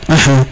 axa